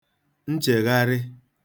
nchègharị